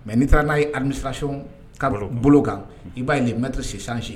Mɛ n'i taara n'a ye harmisasi kaa bolo kan i b'a yen mɛ to sisansan si